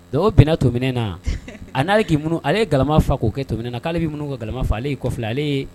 Don o bɛnna tominen na a'ale'i ale ye gama fa' kɛ toɛna na k'ale bɛ' mun ka gama faga ale ye kɔ kɔfɛfi ale ye